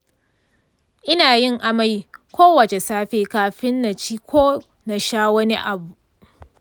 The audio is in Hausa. ina yin amai kowace safe kafin na ci ko na sha wani abu.